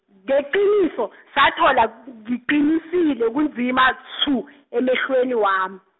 ngeqiniso , sathola gu- ngiqinisile kunzima tshu, emehlweni wami.